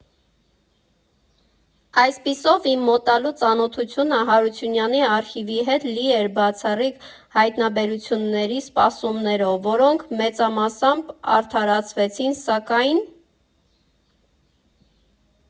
Այսպիսով, իմ մոտալուտ ծանոթությունը Հարությունյանի արխիվի հետ լի էր բացառիկ հայտնաբերությունների սպասումներով, որոնք մեծամասամբ արդարացվեցին, սակայն…